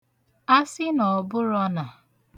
asị n'ọ̀bụrọ̄ nà